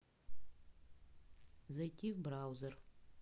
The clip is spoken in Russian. зайти в браузер